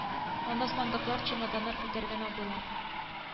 Озак, бик озак очты Нечкәбил.